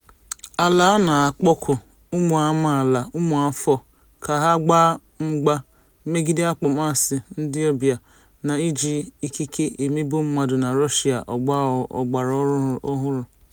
Ala a na-akpọku ụmụ amaala (ụmụafọ) ka ha gba mgba megide akpọmasị ndịọbịa na iji ikike emegbu mmadụ na Russia ọgbaraọhụrụ.